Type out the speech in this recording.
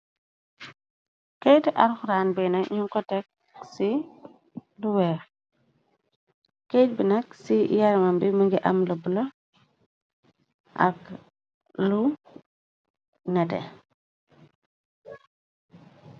Keiti Al Qur'an bii nak njung ko tek ci lu wekh, keit bi nakk ci yaarmam bi mungi am lu buleu ak lu nehteh.